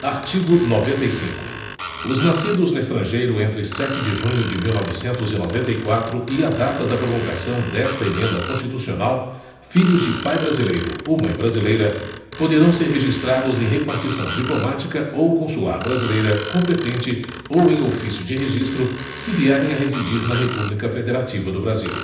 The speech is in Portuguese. artigo noventa e cinco os nascidos no estrangeiro entre sete de junho de mil novecentos e noventa e quatro e a data da promulgação desta emenda constitucional filhos de pai brasileiro ou mãe brasileira poderão ser registrados em repartição diplomática ou consular brasileira competente ou em ofício de registro se vierem a residir na república federativa do brasil